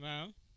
ah pok